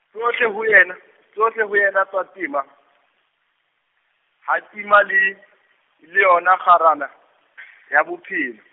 tsohle ho yena, tsohle ho yena tsa tima, ha tima le, le yona , ya bophelo.